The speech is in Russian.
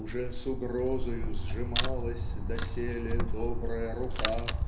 Уже с угрозою сжималась Доселе добрая рука